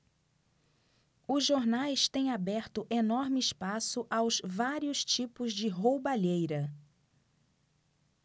os jornais têm aberto enorme espaço aos vários tipos de roubalheira